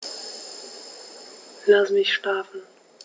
Lass mich schlafen